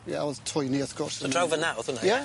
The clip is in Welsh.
Ie o'dd twyni wrth gwrs yn... So draw fyn 'na o'dd hwnna? Ie.